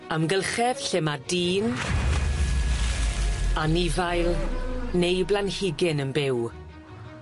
Amgylchedd lle ma' dyn, anifail neu blanhigyn yn byw.